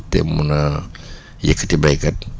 te mun a yëkkati béykat